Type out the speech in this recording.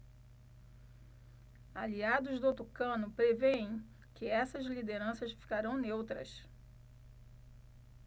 aliados do tucano prevêem que essas lideranças ficarão neutras